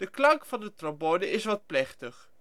klank van de trombone is wat plechtig